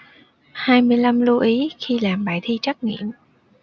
hai mươi lăm lưu ý khi làm bài thi trắc nghiệm